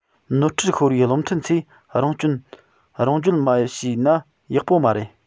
ནོར འཁྲུལ ཤོར བའི བློ མཐུན ཚོས རང སྐྱོན རང བརྗོད མ བྱས ན ཡག པོ མ རེད